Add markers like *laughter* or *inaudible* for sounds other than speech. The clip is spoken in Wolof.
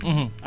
*hesitation* *hesitation*